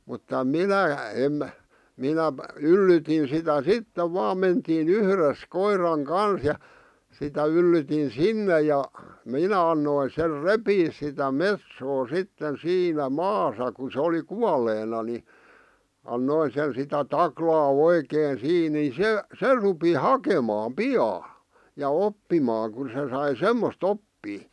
mutta minä en minä yllytin sitä sitten vain mentiin yhdessä koiran kanssa ja sitä yllytin sinne ja minä annoin sen repiä sitä metsoa sitten siinä maassa kun se oli kuolleena niin annoin sen sitä taklata oikein siinä niin se se rupesi hakemaan pian ja oppimaan kun se sai semmoista oppia